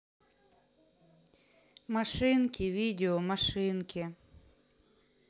машинки видео машинки